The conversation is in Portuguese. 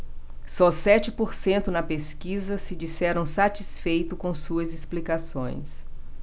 só sete por cento na pesquisa se disseram satisfeitos com suas explicações